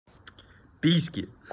письки